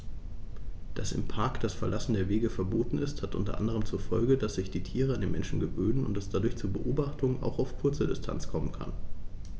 Dass im Park das Verlassen der Wege verboten ist, hat unter anderem zur Folge, dass sich die Tiere an die Menschen gewöhnen und es dadurch zu Beobachtungen auch auf kurze Distanz kommen kann.